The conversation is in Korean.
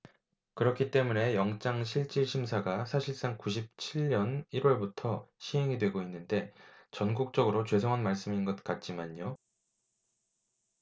그렇기 때문에 영장실질심사가 사실상 구십 칠 년 일 월부터 시행이 되고 있는데 전국적으로 죄송한 말씀인 것 같지만요